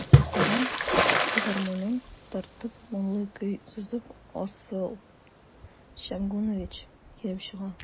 Капкадан, гармунын тартып, моңлы көй сызып, Асыл Шәмгунович килеп чыга.